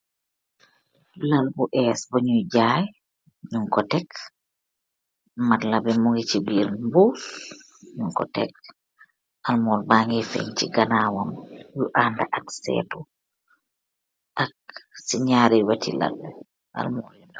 Laal bu esse bu nyui jaay nung ko tek madla bi mung si birr mbuss nung ko tek almor bageh fenng si ganawam bu anda ak seetu ak si naari weti laal bi almuwar yu ndaw.